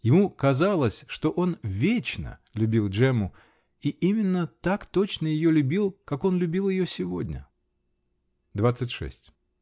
Ему казалось, что он "вечно" любил Джемму -- и именно так точно ее любил, как он любил ее сегодня. Двадцать шесть.